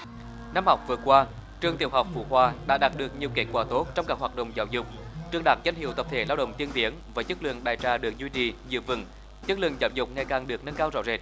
năm học vừa qua trường tiểu học phú hòa đã đạt được nhiều kết quả tốt trong các hoạt động giáo dục trường đạt danh hiệu tập thể lao động tiên tiến và chất lượng đại trà được duy trì giữ vững chất lượng giáo dục ngày càng được nâng cao rõ rệt